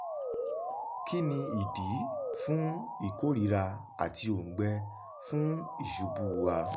Kí ni ìdí fún ìkórìíra àti òǹgbẹ fún ìṣubúu wa?